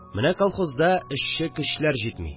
Менә колхозда эшче көчләр җитми